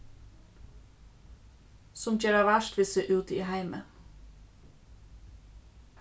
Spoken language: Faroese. sum gera vart við seg úti í heimi